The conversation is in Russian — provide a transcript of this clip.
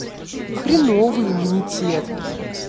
хреновый иммунитет